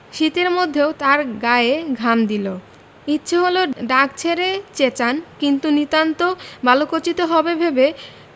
শীতের মধ্যেও তাঁর গায়ে ঘাম দিলে ইচ্ছে হলো ডাক ছেড়ে চেঁচান কিন্তু নিতান্ত বালকোচিত হবে ভেবে